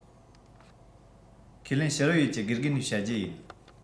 ཁས ལེན ཕྱི རོལ ཡུལ གྱི དགེ རྒན ནས བཤད རྒྱུ ཡིན